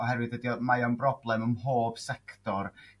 oherwydd dydi o mae o'n broblem ym mhob sector